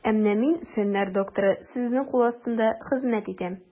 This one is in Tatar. Ә менә мин, фәннәр докторы, сезнең кул астында хезмәт итәм.